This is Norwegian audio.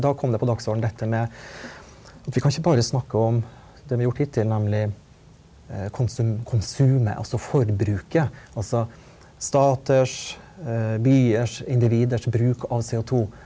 da kom det på dagsorden dette med at vi kan ikke bare snakke om det vi har gjort hittil nemlig konsumet altså forbruket altså staters byers individers bruk av CO2.